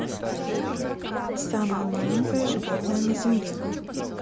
самое маленькое животное на земле